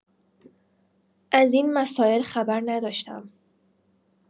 از این مسائل خبر نداشتم.